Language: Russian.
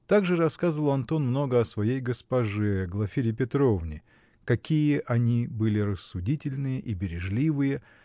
Также рассказывал Антон много о своей госпоже, Глафире Петровне: какие они были рассудительные и бережливые